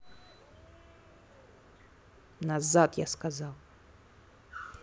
назад я сказал